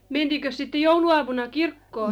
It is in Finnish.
mentiinkös sitten jouluaamuna kirkkoon